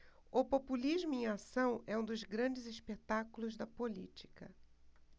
o populismo em ação é um dos grandes espetáculos da política